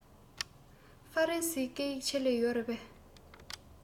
ཧྥ རན སིའི སྐད ཡིག ཆེད ལས ཡོད རེད པས